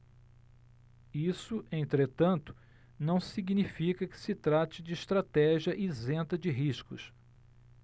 isso entretanto não significa que se trate de estratégia isenta de riscos